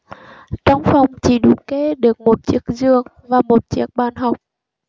trong phòng chỉ đủ kê được một chiếc giường và một chiếc bàn học